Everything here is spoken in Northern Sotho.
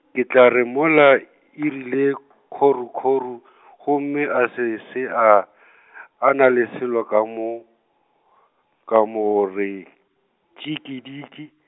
ke tla re mola, e rile, kgorokgoro , gomme a se se a , a na le selo ka mo , ka mo re, tšhikidi.